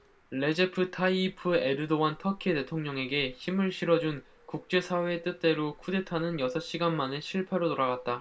레제프 타이이프 에르도안 터키 대통령에게 힘을 실어준 국제사회의 뜻대로 쿠데타는 여섯 시간 만에 실패로 돌아갔다